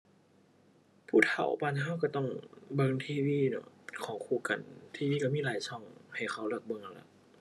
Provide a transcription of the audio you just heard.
ผู้เฒ่าบ้านเราเราต้องเบิ่ง TV เนาะของคู่กัน TV เรามีหลายช่องให้เข้าเลือกเบิ่งเอาล่ะ